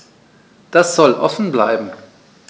Das soll offen bleiben.